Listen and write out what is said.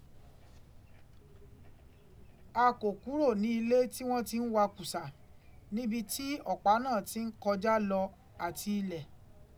A kò kúrò ní ilé tí wọ́n ti ń wa kùsà, níbi tí ọ̀pá náà ti ń kọjá lọ àti ilẹ̀.